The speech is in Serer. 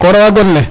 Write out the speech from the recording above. ko rawa go le